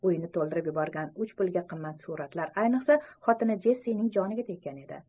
uyni to'ldirib yuborgan uch pulga qimmat suratlar ayniqsa xotini jessining joniga tekkan edi